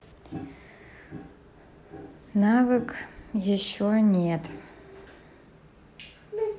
навык еще нет